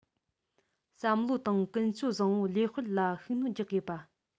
བསམ བློ དང ཀུན སྤྱོད བཟང པོ ལེགས སྤེལ ལ ཤུགས སྣོན རྒྱག དགོས པ